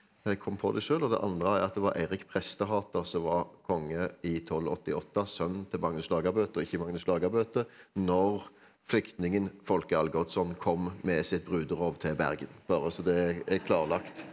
jeg kom på det sjøl og det andre er at det var Eirik Prestehater så var konge i 1288 sønn til Magnus Lagabøte og ikke Magnus Lagabøte når flyktningen Folke Algotsson kom med sitt bruderov til Bergen bare så det er klarlagt.